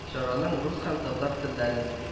Чараның рус һәм татар телләрен